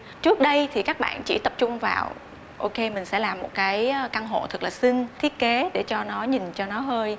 trước đây thì các bạn chỉ tập trung vào ô kê mình sẽ làm một cái căn hộ thật là xinh thiết kế để cho nó nhìn cho nó hơi